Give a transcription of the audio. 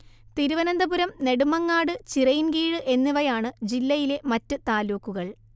തിരുവനന്തപുരം നെടുമങ്ങാട് ചിറയൻകീഴ് എന്നിവയാണ് ജില്ലയിലെ മറ്റു താലൂക്കുകൾ